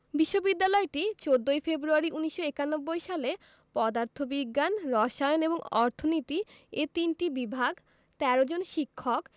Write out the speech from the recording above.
বিশ্ববিদ্যালয়টি ১৪ ফেব্রুয়ারি ১৯৯১ সালে পদার্থ বিজ্ঞান রসায়ন এবং অর্থনীতি এ তিনটি বিভাগ ১৩ জন শিক্ষক